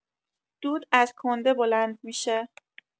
دود از کنده بلند می‌شه